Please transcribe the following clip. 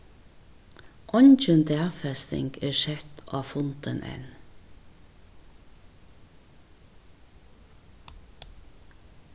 eingin dagfesting er sett á fundin enn